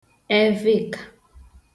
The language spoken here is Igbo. evịkà